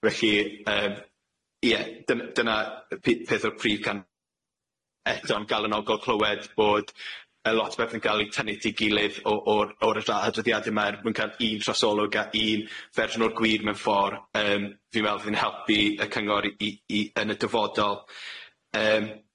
Felly yym ie dy- dyna p- peth o'r prif gan- eto'n galonogol clywed bod y lot o beth yn ga'l 'u tynnu at 'i gilydd o o'r o'r adroddiade 'ma er mwyn ca'l un trosolwg a un fersiwn o'r gwir mewn ffor, yym fi'n me'wl fydd'n helpu y cyngor i i yn y dyfodol yym.